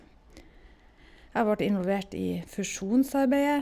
Jeg vart involvert i fusjonsarbeidet.